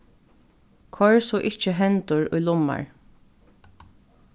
koyr so ikki hendur í lummar